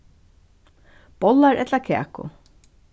bollar ella kaku